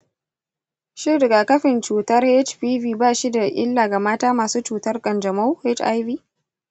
shin rigakafin cutar hpv ba shi da illa ga mata masu cutar ƙanjamau hiv?